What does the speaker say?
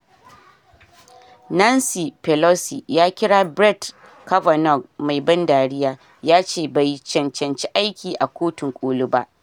Nancy Pelosi ya kira Brett Kavanaugh "mai ban dariya," ya ce bai cacanci aiki a Kotun Koli ba